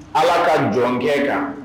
Ala ka jɔnkɛ kan